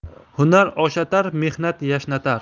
hunar oshatar mehnat yashnatar